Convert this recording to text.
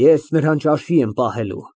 Ես նրան ճաշի եմ պահելու։